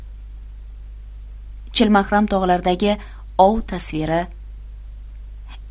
chilmahram tog'laridagi ov tasviri